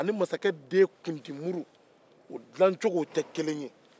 a ni masakɛ den kundimuru dilancogo tɛ kelen ye